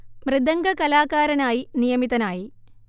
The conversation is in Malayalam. മൃദംഗകലാകാരനായി നിയമിതനായി